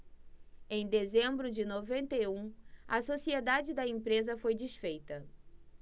em dezembro de noventa e um a sociedade da empresa foi desfeita